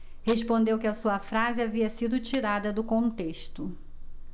respondeu que a sua frase havia sido tirada do contexto